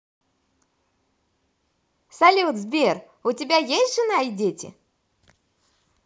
салют сбер у тебя есть жена и дети